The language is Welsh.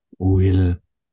Wil.